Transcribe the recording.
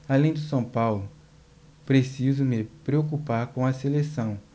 além do são paulo preciso me preocupar com a seleção